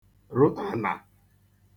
rụ ànà